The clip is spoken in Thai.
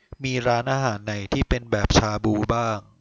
มีร้านอาหารไหนที่เป็นแบบชาบูบ้าง